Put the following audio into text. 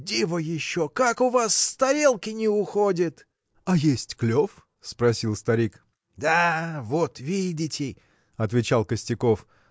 Диво еще, как у вас с тарелки не уходит! – А есть клев? – спросил старик. – Да вот видите – отвечал Костяков